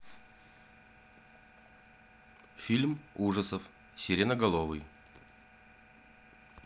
фильм ужасов сиреноголовый